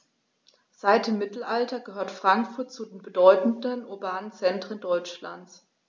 Seit dem Mittelalter gehört Frankfurt zu den bedeutenden urbanen Zentren Deutschlands.